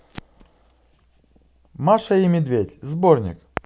маша и медведь сборник